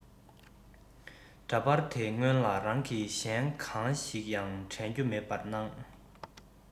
འདྲ པར དེ སྔོན ལ རང གི གཞན གང ཞིག ཡང དྲན རྒྱུ མེད པར ནང